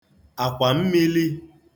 àkwà mmīlī